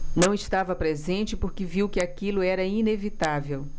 não estava presente porque viu que aquilo era inevitável